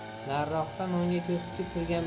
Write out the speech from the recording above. nariroqda nonga ko'z tikib turgan